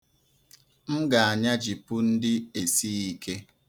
M ga-anyajipụ ndị esighị ike.